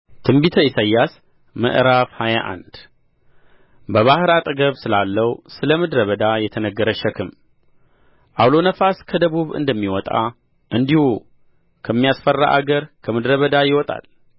ትንቢተ ኢሳይያስ ምዕራፍ ሃያ አንድ በባሕር አጠገብ ስላለው ስለ ምድረ በዳ የተነገረ ሸክም ዐውሎ ነፋስ ከደቡብ እንደሚወጣ እንዲሁ ከሚያስፈራ አገር ከምድረ በዳ ይወጣል